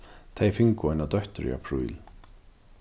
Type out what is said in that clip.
tey fingu eina dóttur í apríl